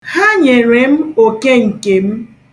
Ha nyere m oke nke m.